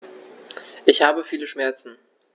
Ich habe viele Schmerzen.